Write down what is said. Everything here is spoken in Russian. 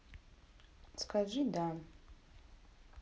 скажи да